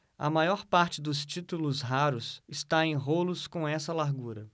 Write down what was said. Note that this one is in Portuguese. a maior parte dos títulos raros está em rolos com essa largura